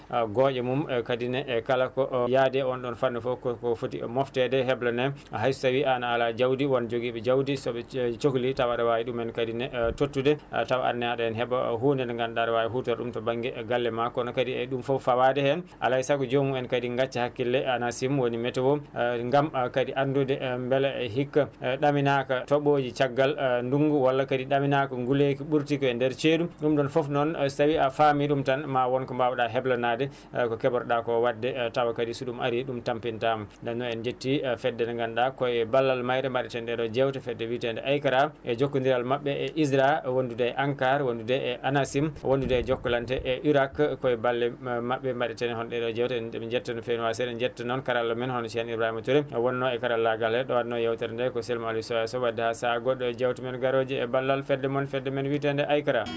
ha gooƴe mum e kadi ne kala ko yaade on ɗon fannu foof ko footi moftede heblene hayso tawi an a ala jawdi woon jogiiɓe jawdi sooɓe cohli tawa aɗa wawi ɗumen kadi ne tottude a tawa anne aɗane heeɓa hunde nde ganduɗa aɗa wawi hutoro ɗum to banggue galle ma kono kadi e ɗum foof fawade heen alaysago jomumen kadi gacca hakkille ANACIM woni météo gaam kadi anndunde beele hikka ɗaminaka tooɓoji caggal ndungngu walla kadi ɗaminaka nguleyki ɓurtuki e nder ceeɗu ɗum ɗon foof noon so tawi a faami ɗum tan ma woon ko mbawɗa heblanade e ko keɓotoɗa ko wadde tawa kadi so ɗum ari ɗum tampintama nden noon en jetti fedde nde ganduɗa koye ballal mayre mbaɗeten ɗe ɗon jewte fedde wiite nde AICRA e jokkodiral maɓɓe e ISRA wonndude ANCARE wonndude e Jokalante e URAK koye balle maɓɓe mbaɗeten hono ɗeɗo jewte deeɓe jetta no feewi wona seeɗa jetta noon karalla men hono ceerno Ibrahima Touré e wonno e karallagal he ɗowanno yewtere nde ko sehil moon Aliou Soya Sow wadde ha saaha goɗɗo e jewte men garoje e ballal fedde moon fedde men wii te nde AICRA